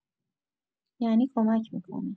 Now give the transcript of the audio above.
یعنی کمک می‌کنه.